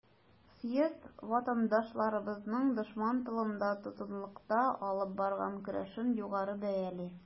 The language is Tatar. Съезд ватандашларыбызның дошман тылында, тоткынлыкта алып барган көрәшен югары бәяли.